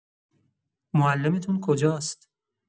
معلمتون کجاست؟